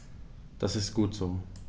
Das ist gut so.